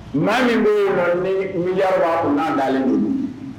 Maa min bɛ nɔ ni miyawa kun' dalenlen don